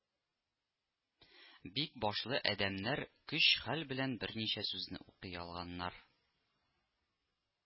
Бик башлы адәмнәр көч-хәл белән берничә сүзне укый алганнар